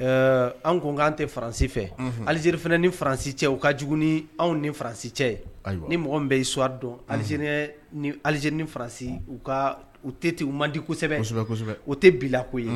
Ɛɛ an kɔnkan an tɛ faransi fɛ alize ni faransi cɛ u ka j ni anw ni faransi cɛ ye ni mɔgɔ bɛ suwa dɔn alize ni alize ni faransi u ka u tɛ u man di kosɛbɛsɛbɛsɛbɛ o tɛ bilako ye